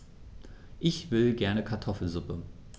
Ich will gerne Kartoffelsuppe.